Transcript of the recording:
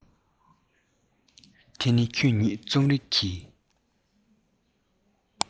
དེ ནི ཁྱོད ཉིད རྩོམ རིག གི